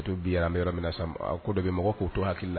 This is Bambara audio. tout_ bi yɛrɛ an bɛ yɔrɔ min na sisan a ko dɔ bɛ yen mɔgɔ k'o to i hakili la